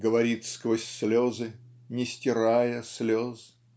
Говорит сквозь слезы, не стирая слез.